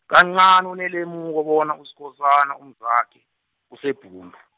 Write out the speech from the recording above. kancani unelemuko bona Uskhosana umzakhe, useBhundu.